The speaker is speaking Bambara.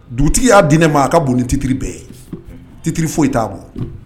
Dugutigi y'a diinɛ ma a ka bon ni tetiriri bɛɛ ye tetiri foyi ye t'a bɔ